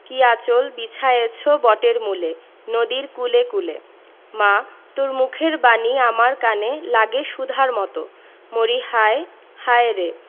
কী আঁচল বিছায়েছ বটের মূলে নদীর কূলে কূলে মা তোর মুখের বাণী আমার কানে লাগে সুধার মতো মরিহায় হায়রে